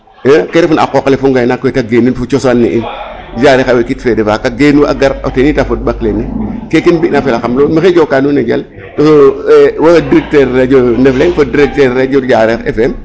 Ke refna a qooq ale fo ngaynaak ne ta geenwin fo cosaan ne in Diarekha wetid fede faak a geenu a gar tenit a fod ɓak lene keke mbi'na felaxam lool mexey njookaa nuun a njal wo' directeur Radio Ndef Leng fo directeur radio Diarekh FM .